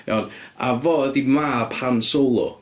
Iawn a fo ydy mab Han Solo.